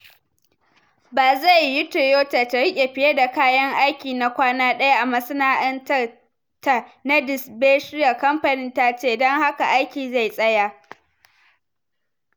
Ba zai yiyu Toyota ta rike fiye da kayan aiki na kwana daya a masana’antar ta na Derbyshire, kamfanin ta ce, dan haka aiki zai tsaya.